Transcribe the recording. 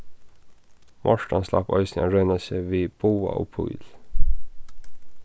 mortan slapp eisini at royna seg við boga og píl